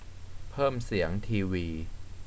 เพิ่มเสียงทีวี